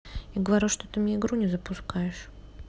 я говорю что ты мне игру не запускаешь